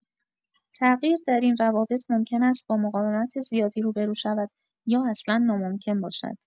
تغییر در این روابط ممکن است با مقاومت زیادی روبه‌رو شود یا اصلا ناممکن باشد.